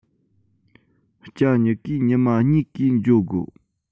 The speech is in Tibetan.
སྐྱ མྱི གིས ཉི མ གཉིས གིས འགྱོ དགོ